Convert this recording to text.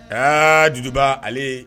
Aa juguba ale